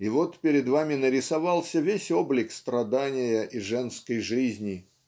и вот перед вами нарисовался весь облик страдания и женской жизни.